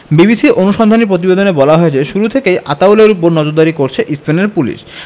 বিবিসির অনুসন্ধানী প্রতিবেদনে বলা হয়েছে শুরু থেকেই আতাউলের ওপর নজরদারি করছে স্পেনের পুলিশ